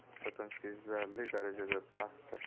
nisbatan sezilarli darajada pastdir